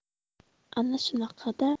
ana shunaqada